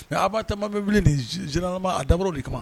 Mɛ a bba taama bɛ wuli ninma a dabɔw de kama